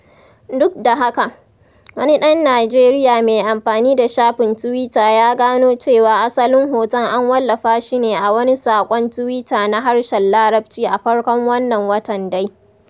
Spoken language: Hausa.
Duk da haka, wani ɗan Nijeriya mai amfani da shafin tuwita ya gano cewa asalin hoton an wallafa shi ne a wani saƙon tuwita na harshen Larabci a farkon wannan watan dai.